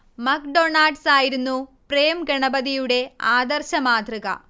McDonald's ആയിരുന്നു പ്രേം ഗണപതിയുടെ ആദർശ മാതൃക